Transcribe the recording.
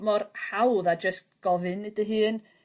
...mor hawdd a jyst gofyn i dy hun